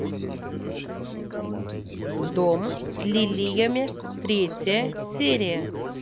дом с лилиями третья серия